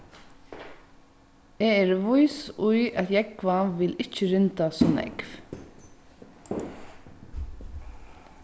eg eri vís í at jógvan vil ikki rinda so nógv